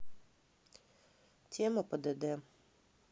тема пдд